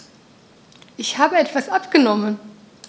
Ich habe etwas abgenommen.